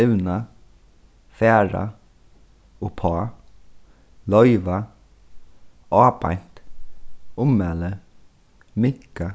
evna fara uppá loyva ábeint ummæli minka